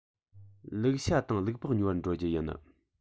ལུག ཤ དང ལུག ལྤགས ཉོ བར འགྲོ རྒྱུ ཡིན